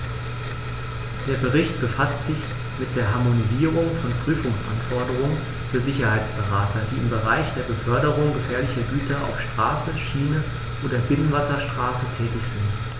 Der Bericht befasst sich mit der Harmonisierung von Prüfungsanforderungen für Sicherheitsberater, die im Bereich der Beförderung gefährlicher Güter auf Straße, Schiene oder Binnenwasserstraße tätig sind.